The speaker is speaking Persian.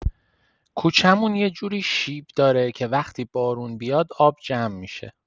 کوچه‌مون یه جوری شیب‌داره که وقتی بارون بیاد، آب جمع می‌شه.